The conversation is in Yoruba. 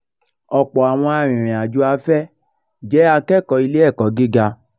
Ọ̀pọ̀ àwọn arìnrìn-àjò afẹ́ jẹ́ akẹ́kọ̀ọ́ ilé-ẹ̀kọ́ gíga.